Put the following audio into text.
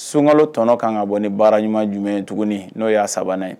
Sunka tɔnɔnɔ kan ka bɔ ni baara ɲuman jumɛn tuguni n'o y'a sabanan ye